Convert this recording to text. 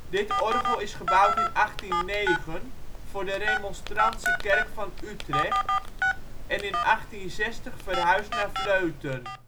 Dit orgel is gebouwd in 1809 voor de Remonstrantse kerk van Utrecht en in 1860 verhuisd naar Vleuten